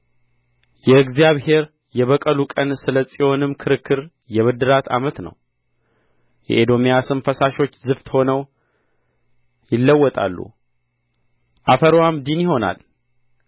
የእግዚአብሔር የበቀሉ ቀን ስለ ጽዮንም ክርክር የብድራት ዓመት ነው የኤዶምያስም ፈሳሾች ዝፍት ሆነው ይለወጣሉ አፈርዋም ዲን ይሆናል